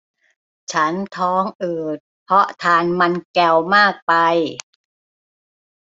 ฉันท้องอืดเพราะทานมันแกวมากไป